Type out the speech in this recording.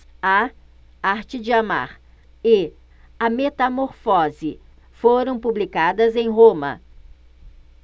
a arte de amar e a metamorfose foram publicadas em roma